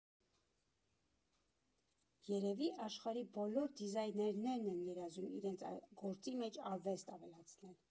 Երևի աշխարհի բոլոր դիզայներներն են երազում իրենց գործի մեջ արվեստ ավելացնել.